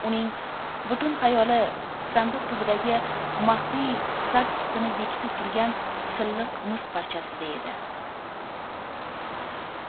uning butun xayoli sandiq tubidagi maxfiy tagqutini bekitib turgan silliq mis parchasida edi